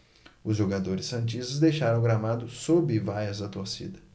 os jogadores santistas deixaram o gramado sob vaias da torcida